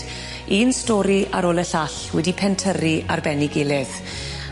Un stori ar ôl y llall wedi pentyrru ar ben 'i gilydd.